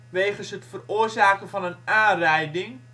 wegens het veroorzaken van een aanrijding